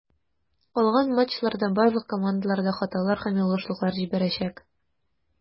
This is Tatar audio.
Калган матчларда барлык командалар да хаталар һәм ялгышлыклар җибәрәчәк.